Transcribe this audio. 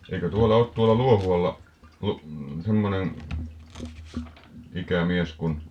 eikö tuolla ole tuolla Luohualla - semmoinen ikämies kuin